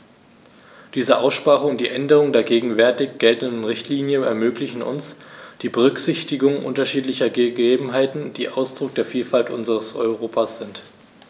Diese Aussprache und die Änderung der gegenwärtig geltenden Richtlinie ermöglichen uns die Berücksichtigung unterschiedlicher Gegebenheiten, die Ausdruck der Vielfalt unseres Europas sind.